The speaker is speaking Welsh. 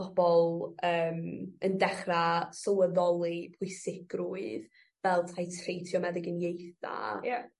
bobol yym yn dechra sylweddoli pwysigrwydd fel 'tai treitio meddyginiaetha... Ie.